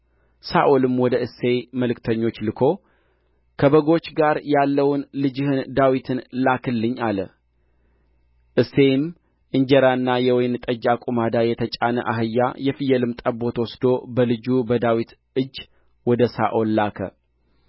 ሳኦልም ወደ እሴይ መልክተኞች ልኮ ከበጎች ጋር ያለውን ልጅህን ዳዊትን ላክልኝ አለ እሴይም እንጀራና የወይን ጠጅ አቁማዳ የተጫነ አህያ የፍየልም ጠቦት ወስዶ በልጁ በዳዋት እጅ ወደ ሳኦል ላከ